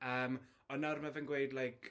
Yym ond nawr mae fe'n gweud, like...